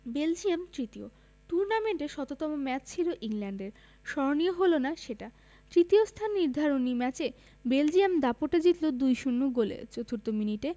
Belgium তৃতীয় টুর্নামেন্টে শততম ম্যাচ ছিল ইংল্যান্ডের স্মরণীয় হলো না সেটা তৃতীয় স্থান নির্ধারণী ম্যাচটা বেলজিয়াম দাপটে জিতল ২ ০ গোলে চতুর্থ মিনিটে